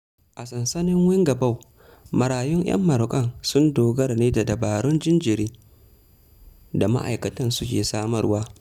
A Sansanin Wingabaw, marayun 'yan maruƙan sun dogara ne da dabarun jinjiri da ma'aikatan suke samarwa.